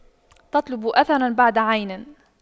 تطلب أثراً بعد عين